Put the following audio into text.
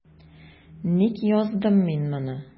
Ник яздым мин моны?